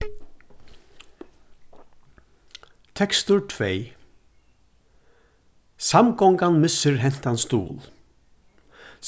tekstur tvey samgongan missir hentan stuðul